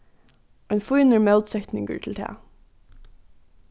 ein fínur mótsetningur til tað